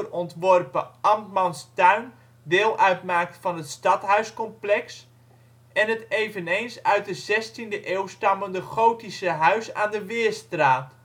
ontworpen Ambtmanstuin deel uitmaakt van het stadhuiscomplex, en het eveneens uit de 16e eeuw stammende Gotische huis aan de Weerstraat